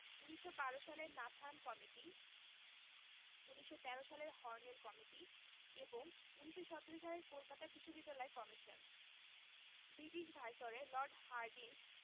১৯১২ সালের Nathan committee ১৯১৩ সালের Hornell committee এবং ১৯১৭ সালের কলকাতা বিশ্ববিদ্যালয় commission British viceroy Lord Hardinge